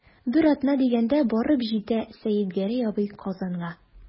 Бер атна дигәндә барып җитә Сәетгәрәй абый Казанга.